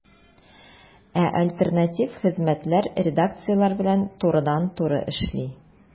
Ә альтернатив хезмәтләр редакцияләр белән турыдан-туры эшли.